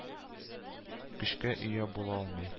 Көчкә ия була алмый